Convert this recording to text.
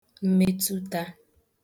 mmetuta